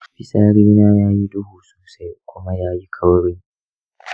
fitsarina ya yi duhu sosai kuma ya yi kauri.